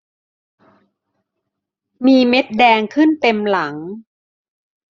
มีเม็ดแดงขึ้นเต็มหลัง